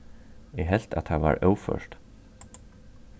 eg helt at tað var óført